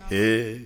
H